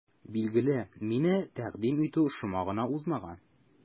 Билгеле, мине тәкъдим итү шома гына узмаган.